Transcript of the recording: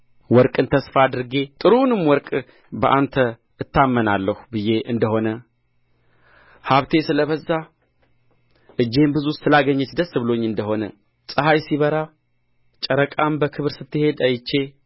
ወርቅን ተስፋ አድርጌ ጥሩውንም ወርቅ በአንተ እታመናለሁ ብዬ እንደ ሆነ ሀብቴ ስለ በዛ እጄም ብዙ ስላገኘች ደስ ብሎኝ እንደ ሆነ ፀሐይ ሲበራ ጨረቃ በክብር ስትሄድ አይቼ